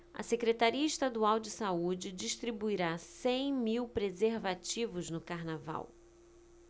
a secretaria estadual de saúde distribuirá cem mil preservativos no carnaval